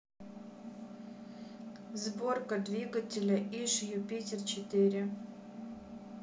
сборка двигателя иж юпитер четыре